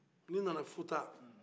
ni i nana futa